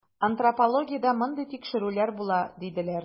Антропологиядә мондый тикшерүләр була, диләр.